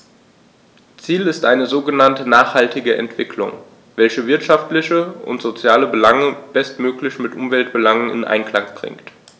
Ziel ist eine sogenannte nachhaltige Entwicklung, welche wirtschaftliche und soziale Belange bestmöglich mit Umweltbelangen in Einklang bringt.